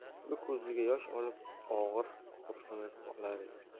u ko'ziga yosh olib og'ir xo'rsinib olar edi